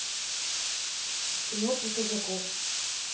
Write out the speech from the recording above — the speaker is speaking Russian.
кино про казаков